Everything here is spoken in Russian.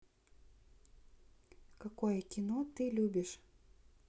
какое кино ты любишь